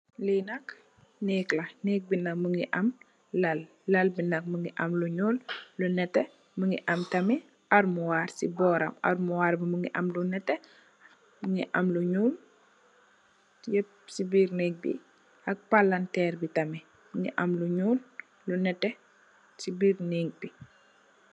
Li nak nèk la, nèk bi nak mugii am lal, lal bi nak mugii am lu ñuul ak netteh, mugii am tamit almor si bóram. Almor bi mugii am lu netteh mugii am lu ñuul. Yep mug ci biir nèk bi ak palanterr bi tamit mugii am lu ñuul, lu netteh yep ci biir nèk bi.